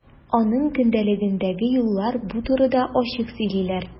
Аның көндәлегендәге юллар бу турыда ачык сөйлиләр.